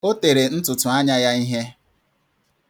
O tere ntụ̀tụ̀anya ya ihe.